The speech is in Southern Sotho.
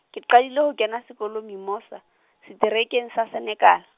ke qadile ho kena sekolo Mimosa, seterekeng sa Senekal.